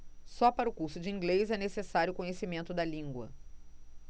só para o curso de inglês é necessário conhecimento da língua